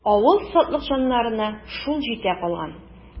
Авыл сатлыкҗаннарына шул җитә калган.